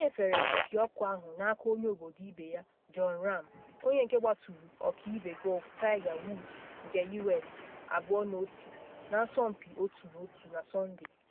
Ọ nyefere mpịọkụ ahụ n’aka onye obodo ibe ya John Ram onye nke gbaturu ọkaibe gọlfụ Tiger Woods nke US 2na1 n’asọmpi otu na otu na Sọnde.